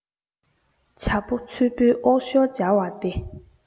བྱ ཕོ མཚལ བུའི ཨོག ཞོལ སྦྱར བ དེ